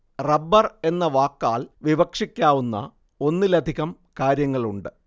rubber എന്ന വാക്കാൽ വിവക്ഷിക്കാവുന്ന ഒന്നിലധികം കാര്യങ്ങളുണ്ട്